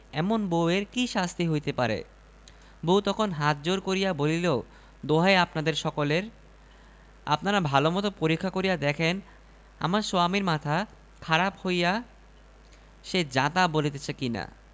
তখন তাহারা যুক্তি করিয়া রহিমকে দড়ি দিয়া বাধিতে গেল সে যখন বাধা দিতেছিল সকলে তখন তাহাকে কিল থাপ্পর মারিতেছিল